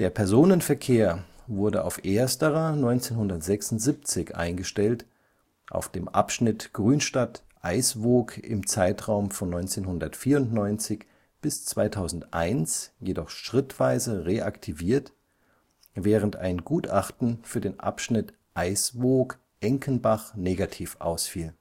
Personenverkehr wurde auf ersterer 1976 eingestellt, auf dem Abschnitt Grünstadt – Eiswoog im Zeitraum von 1994 bis 2001 jedoch schrittweise reaktiviert, während ein Gutachten für den Abschnitt Eiswoog – Enkenbach negativ ausfiel